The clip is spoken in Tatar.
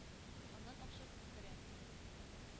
Аннан акча күп керә.